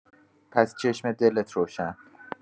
پس چشم دلت روشن.